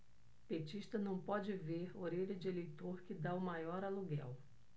petista não pode ver orelha de eleitor que tá o maior aluguel